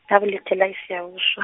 ngabelethelwa eSiyabuswa.